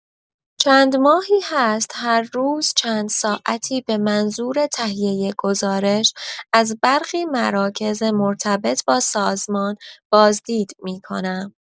چند ماهی هست هر روز چند ساعتی به منظور تهیه گزارش، از برخی مراکز مرتبط با سازمان بازدید می‌کنم.